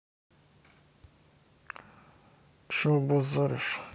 че базаришь